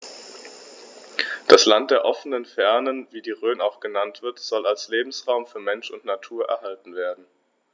Das „Land der offenen Fernen“, wie die Rhön auch genannt wird, soll als Lebensraum für Mensch und Natur erhalten werden.